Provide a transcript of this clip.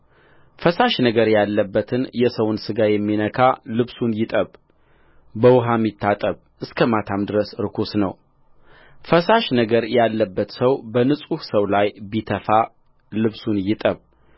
ፈሳሽ ነገር ያለበትን የሰውን ሥጋ የሚነካ ልብሱን ይጠብ በውኃም ይታጠብ እስከ ማታም ድረስ ርኩስ ነውፈሳሽ ነገር ያለበት ሰው በንጹሕ ሰው ላይ ቢተፋ ልብሱን ይጠብ